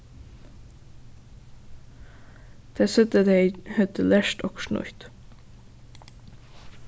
tey søgdu at tey høvdu lært okkurt nýtt